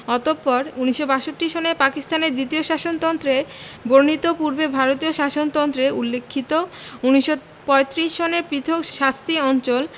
অতপর ১৯৬২ সনে পাকিস্তানের দ্বিতীয় শাসনতন্ত্রে বর্ণিত পূর্বে ভারতীয় শাসনতন্ত্রে উল্লিখিত ১৯৩৫ সনের পৃথক শাস্তি অঞ্চল